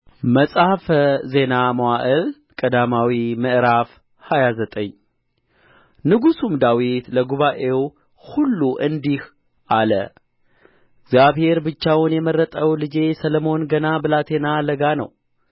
መጽሐፈ ዜና መዋዕል ቀዳማዊ ምዕራፍ ሃያ ዘጠኝ ንጉሡም ዳዊት ለጉባኤው ሁሉ እንዲህ አለ እግዚአብሔር ብቻውን የመረጠው ልጄ ሰሎሞን ገና ብላቴና ለጋ ነው